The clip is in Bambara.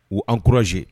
U an kkurae